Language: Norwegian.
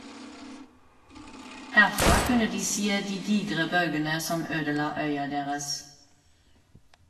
Herfra kunne de se de digre bølgene som ødela øya deres.